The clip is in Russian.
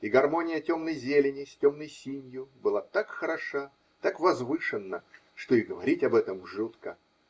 и гармония темной зелени с темной синью была так хороша, так возвышенна, что и говорить об этом жутко.